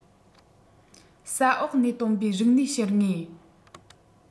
ས འོག ནས བཏོན པའི རིག གནས ཤུལ དངོས